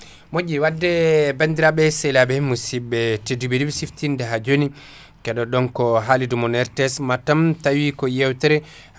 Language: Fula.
moƴƴi wadde bandiraɓe sehilaɓe mussibɓe tedduɓe siftinde ha jooni keɗoto ɗon ko halirde mon RTS Matam tawi koy hewtere